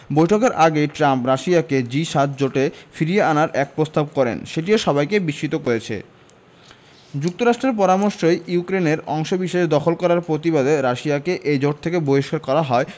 বৈঠকের আগে ট্রাম্প রাশিয়াকে জি ৭ জোটে ফিরিয়ে আনার এক প্রস্তাব করেন সেটিও সবাইকে বিস্মিত করেছে যুক্তরাষ্ট্রের পরামর্শেই ইউক্রেনের অংশবিশেষ দখল করার প্রতিবাদে রাশিয়াকে এই জোট থেকে বহিষ্কার করা হয়